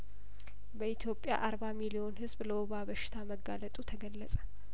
በኢትዮጵያ አርባ ሚሊዮን ህዝብ ለወባ በሽታ መጋለጡ ተገለጸ